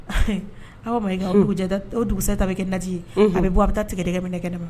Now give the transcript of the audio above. Aw'a e ka o dugu ta bɛ kɛ lati ye a bɛ bɔ a bɛ taa tigɛ dɛgɛ min kɛnɛ ne ma